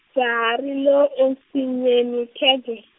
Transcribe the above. jaha ri lo ensinyeni khegee.